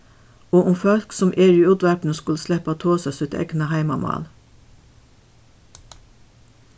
og um fólk sum eru í útvarpinum skulu sleppa at tosa sítt egna heimamál